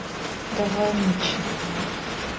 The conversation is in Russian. давай начинай